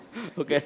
ô kê